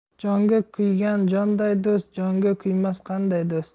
jonga kuygan jonday do'st jonga kuymas qanday do'st